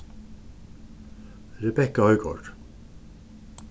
rebekka højgaard